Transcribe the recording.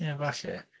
Ie, falle.